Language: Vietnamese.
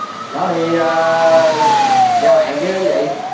nó đi ơ giao hàng chứ gì